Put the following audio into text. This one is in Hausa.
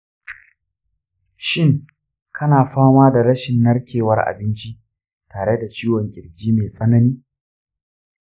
shin kana fama da rashin narkewar abinci tare da ciwon ƙirji me tsanani?